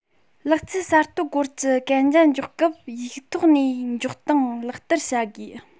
ལག རྩལ གསར གཏོད སྐོར གྱི གན རྒྱ འཇོག སྐབས ཡིག ཐོག ནས འཇོག སྟངས ལག བསྟར བྱ དགོས